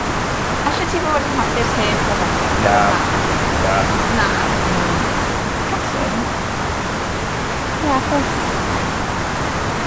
Allet ti fod yn hapus heb gerddoriath? Na. Na. Na. Na. Na. Gallwn. Ie achos